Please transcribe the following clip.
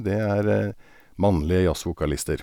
Det er mannlige jazzvokalister.